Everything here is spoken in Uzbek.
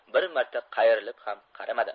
bir marta qayrilib qaramadi